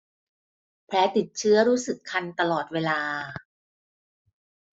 แผลติดเชื้อรู้สึกคันตลอดเวลา